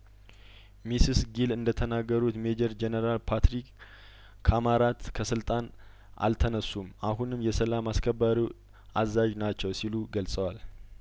ሚስስጊል እንደተናገሩት ሜጀር ጄኔራል ፓትሪክ ካማራት ከስልጣን አልተ ነሱም አሁንም የሰላም አስከባሪው አዛዥ ናቸው ሲሉ ገልጸዋል